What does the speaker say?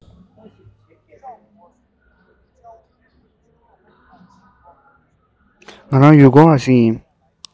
ང རང ཡུལ སྐོར བ ཞིག ཡིན